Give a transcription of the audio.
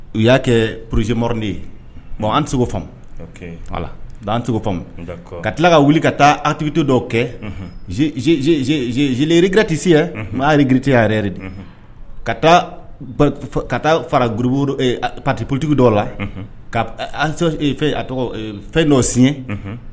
U y'a kɛ purze mariin ye bon an tɛ se fa ala an seo ka tila ka wuli ka taa tigikito dɔw kɛezerti si ye mɛ'a ye giiritiya yɛrɛ de ka taa ka taa fara guruburu pati porotigiw dɔw la tɔgɔ fɛn dɔ siɲɛ